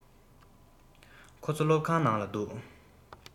ཁོ ཚོ སློབ ཁང ནང ལ འདུག